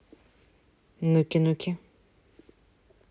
нуки нуки